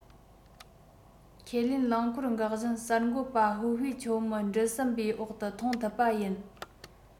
ཁས ལེན རླངས འཁོར འགག བཞིན གསར འགོད པ ཧྭ ཝུའེ ཆའོ མི འགྲུལ ཟམ པའི འོག ཏུ མཐོང ཐུབ པ ཡིན